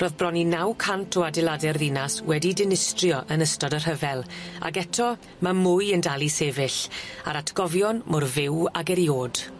Ro'dd bron i naw cant o adeilade'r ddinas wedi dinistrio yn ystod y rhyfel ag eto, ma' mwy yn dal i sefyll a'r atgofion mor fyw ag eriod.